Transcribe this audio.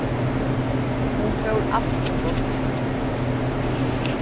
hon fór alt ov brádliga